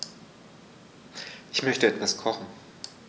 Ich möchte etwas kochen.